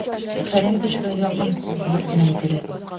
"фәлән кешегә якын" дип кенә әйтелә!